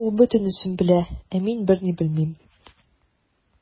Ул бөтенесен белә, ә мин берни белмим.